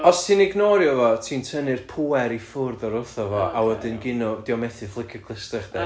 os ti'n ignorio fo ti'n tynnu'r pŵer i ffwrdd oddi wrtho fo, a wedyn gyno- dio methu fflico clysta chdi.